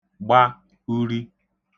gba uri